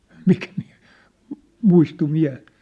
mikä - muistui mieleen